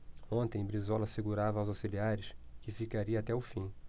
ontem brizola assegurava aos auxiliares que ficaria até o fim